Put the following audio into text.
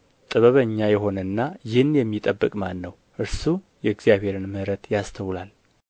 ጥበበኛ የሆነና ይህን የሚጠብቅ ማን ነው እርሱ የእግዚአብሔርን ምሕረት ያስተውላል